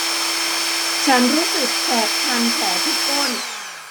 ฉันรู้สึกแสบคันแผลที่ก้น